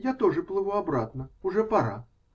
Я тоже плыву обратно, уже пора.